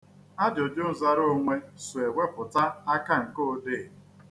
Ajụjụnazaraonwe so ewepụta akanka odee.